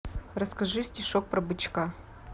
расскажи стишок про бычка